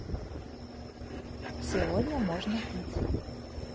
сегодня можно пить